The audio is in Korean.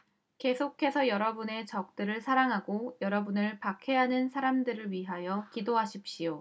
계속해서 여러분의 적들을 사랑하고 여러분을 박해하는 사람들을 위하여 기도하십시오